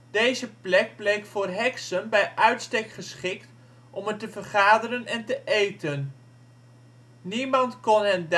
Deze plek bleek voor heksen bij uitstek geschikt om er te vergaderen en te eten. Niemand kon hen